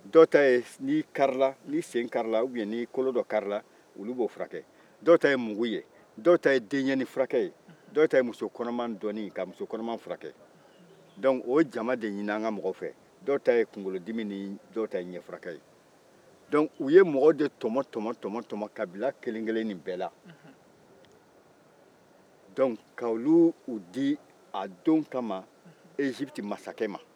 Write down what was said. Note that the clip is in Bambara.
dɔw ta ye n'i sen karila walima n'i kolo dɔ karila olu b'o furakɛ dɔw ta ye mugu ye dɔw ta ye den ɲɛrɛnnin furakɛ ye dɔw ta ye musokɔnɔma dɔnni ye ka musokɔnɔma furakɛ o jama de ɲinina an ka jama fɛ dɔw ta ye kunkolodimin ni ɲɛfurakɛ ye o la u ye mɔgɔw de tɔmɔ-tɔmɔ kabila kelen-kelen nin bɛɛ la o la k'olu di a don kama ezuwiti masakɛ ma